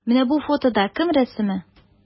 Менә бу фотода кем рәсеме?